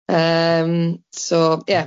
Yym so ie.